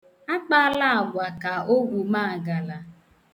Akpala agwa ka ogwumaagala